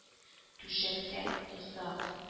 Түшәктә озак